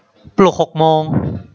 ปลุกหกโมง